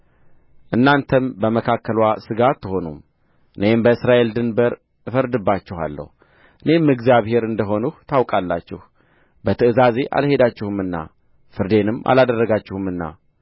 እናንተም በመካከልዋ ሥጋ አትሆኑም እኔም በእስራኤል ድንበር እፈርድባችኋለሁ እኔም እግዚአብሔር እንደ ሆንሁ ታውቃላችሁ በትእዛዜ አልሄዳችሁምና ፍርዴንም አላደረጋችሁምና